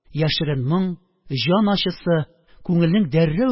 Яшерен моң, җан ачысы, күңелнең дәррәү